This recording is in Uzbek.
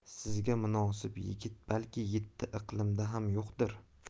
sizga munosib yigit balki yetti iqlimda ham yo'qdir